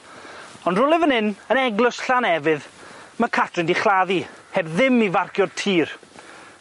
Ond rwle fyn 'yn, yn eglws Llanefydd, ma' Catrin 'di chladdu, heb ddim i farcio'r tir.